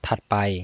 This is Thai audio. ถัดไป